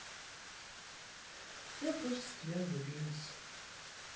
я просто в тебя влюбилась